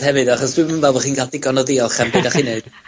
hefyd achos dwi 'im yn feddwl bo' chi'n ga'l digon o ddiolch am be' 'dach chi'n neud.